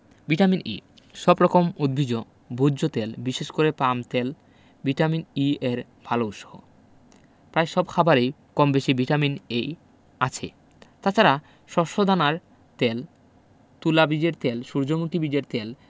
vitamin E সব রকম উদ্ভিজ্জ ভোজ্য তেল বিশেষ করে পাম তেল ভিটামিন E এর ভালো উৎস প্রায় সব খাবারেই কমবেশি ভিটামিন E আছে তাছাড়া শস্যদানার তেল Corn oil তুলা বীজের তেল সূর্যমুখী বীজের তেল